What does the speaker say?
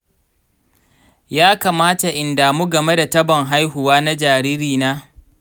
ya kamata in damu game da tabon haihuwa na jaririna?